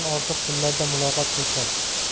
ortiq tillarda muloqot qilishadi